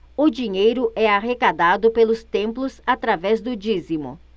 o dinheiro é arrecadado pelos templos através do dízimo